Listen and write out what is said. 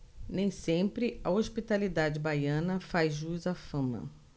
nem sempre a hospitalidade baiana faz jus à fama